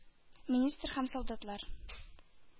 Министр һәм солдатлар: